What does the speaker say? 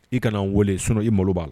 I kana n weele sinon i malo b'a la